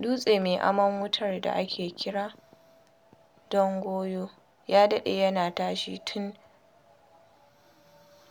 Dutse mai amon wutar da ake kira "Don Goyo" ya daɗe yana tashi tun